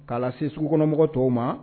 K'a sugukɔnɔmɔgɔw to ma